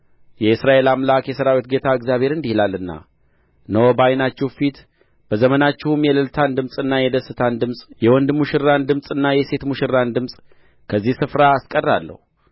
የእስራኤል አምላክ የሠራዊት ጌታ እግዚአብሔር እንዲህ ይላልና እነሆ በዓይናችሁ ፊት በዘመናችሁም የእልልታን ድምፅና የደስታን ድምፅ የወንድ ሙሽራን ድምፅና የሴት ሙሽራን ድምፅ ከዚህ ስፍራ አስቀራለሁ